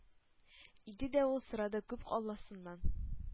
Иде дә ул сорады күк алласыннан: